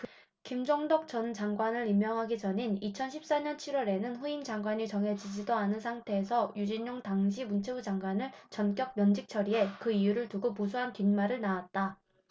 김종덕 전 장관을 임명하기 전인 이천 십 사 년 칠 월에는 후임 장관이 정해지지도 않은 상태에서 유진룡 당시 문체부 장관을 전격 면직 처리해 그 이유를 두고 무수한 뒷말을 낳았다